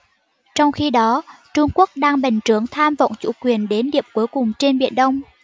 trong khi đó trung quốc đang bành trướng tham vọng chủ quyền đến điểm cuối cùng trên biển đông